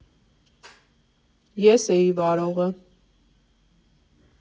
Ես էի վարողը։